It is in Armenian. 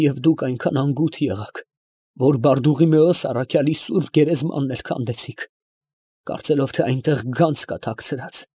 Եվ դուք այնքան անգութ եղաք, որ Բարդուղիմեոս առաքյալի սուրբ գերեզմանն էլ քանդեցիք, կարծելով թե այնտեղ գանձ կա թաքցրած։